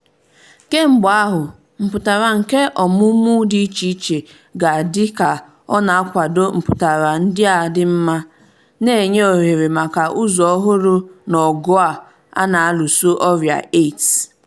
Kemgbe ahụ, mpụtara nke ọmụmụ dị icheiche ga-adị ka ọ na-akwado mpụtara ndị a dị mma, na-enye ohere maka ụzọ ọhụrụ n'ọgụ a na-alụso ọrịa AIDS.